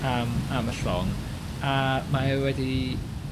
am am y llong a mae e wedi